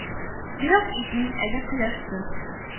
Ерак итмим әле кояшны